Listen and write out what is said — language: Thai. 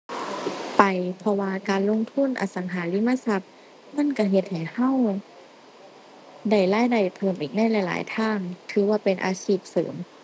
ไป เพราะว่าการลงทุนอสังหาริมทรัพย์มันก็เฮ็ดให้ก็ได้รายได้เพิ่มอีกในหลายหลายทาง ถือว่าเป็นอาชีพเสริม